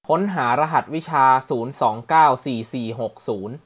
ค้นหารหัสวิชาศูนย์สองเก้าสี่สี่หกศูนย์